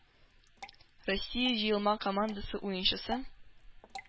Россия җыелма командасы уенчысы,